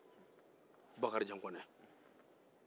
bakarijan kɔnɛ